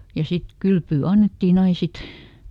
ja sitten kylpyä annettiin aina sitten